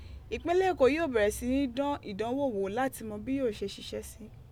Ipinlẹ Eko yoo bẹrẹ si ni dan idán wò lati mọ bi yoo ṣe ṣiṣẹ si.